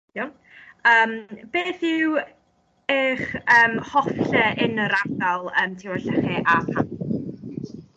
Iawn yym beth yw eich yym hoff lle yn yr ardal yym tirwedd llechi a pam?